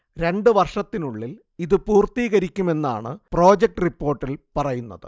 രണ്ടു വർഷത്തിനുള്ളിൽ ഇതു പൂർത്തീകരിക്കുമെന്നാണ് പ്രൊജക്റ്റ് റിപ്പോർട്ടിൽ പറയുന്നത്